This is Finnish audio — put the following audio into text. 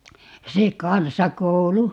se kansakoulu